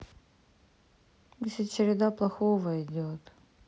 если череда плохого идет